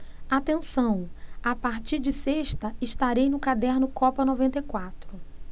atenção a partir de sexta estarei no caderno copa noventa e quatro